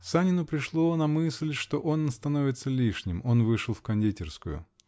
Санину пришло на мысль, что он становится лишним; он вышел в кондитерскую .